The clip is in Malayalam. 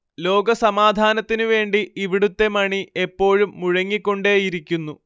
ലോക സമാധാനത്തിനു വേണ്ടി ഇവിടുത്തെ മണി എപ്പോഴും മുഴങ്ങിക്കൊണ്ടേയിരിക്കുന്നു